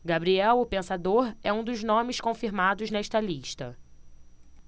gabriel o pensador é um dos nomes confirmados nesta lista